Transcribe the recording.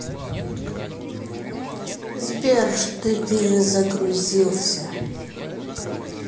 сбер ты перезагрузился